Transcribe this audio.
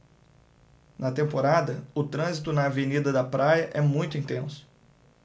na temporada o trânsito na avenida da praia é muito intenso